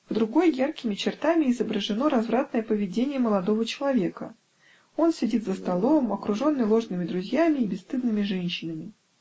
В другой яркими чертами изображено развратное поведение молодого человека: он сидит за столом, окруженный ложными друзьями и бесстыдными женщинами.